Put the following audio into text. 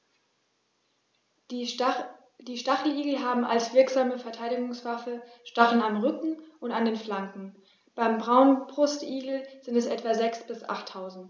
Die Stacheligel haben als wirksame Verteidigungswaffe Stacheln am Rücken und an den Flanken (beim Braunbrustigel sind es etwa sechs- bis achttausend).